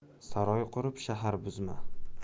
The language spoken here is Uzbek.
saroy qurib shahar buzma